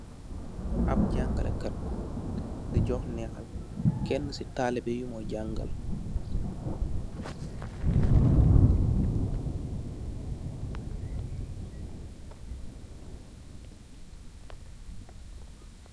Abb jangeleh kat di joh nehal kena si talibeh yu mo jangal.